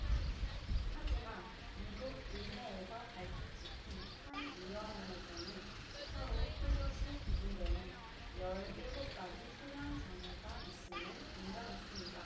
하지만 미국 의회에서 발족시킨 한 위원회에서는 서로 뚜렷이 구분되는 열 일곱 가지 수면 장애가 있음을 인정했습니다